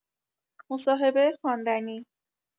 مصاحبه خواندنی